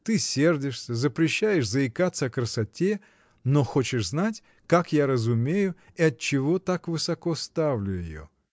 Ты сердишься, запрещаешь заикаться о красоте, но хочешь знать, как я разумею и отчего так высоко ставлю ее?